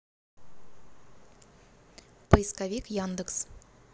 поисковик яндекс